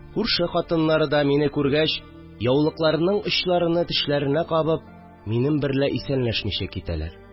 Күрше хатыннары да, мине күргәч, яулыкларының очларыны тешләренә кабып, минем берлә исәнләшмичә китәләр